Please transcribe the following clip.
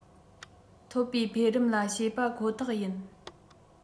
ཐོབ པའི འཕེལ རིམ ལ བྱས པ ཁོ ཐག ཡིན